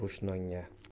yuz o'girgin ro'shnoga